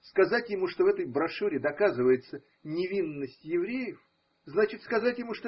Сказать ему, что в этой брошюре доказывается невин ность евреев, значит сказать ему.